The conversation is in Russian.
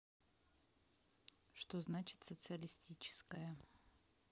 что значит социалистическая